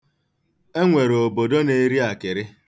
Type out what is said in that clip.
E nwere obodo na-eri akịrị.